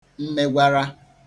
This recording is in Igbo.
mmegwara